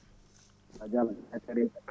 Baara Dia Donnaye Taredji